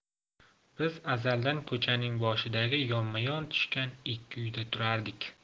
biz azaldan ko'chaning boshidagi yonma yon tushgan ikki uyda turardik